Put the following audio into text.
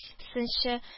Сынчы